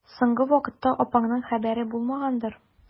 Соңгы вакытта апаңның хәбәре булмагандыр?